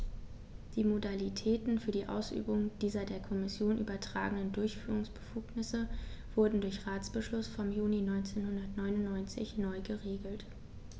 Die Modalitäten für die Ausübung dieser der Kommission übertragenen Durchführungsbefugnisse wurden durch Ratsbeschluss vom Juni 1999 neu geregelt.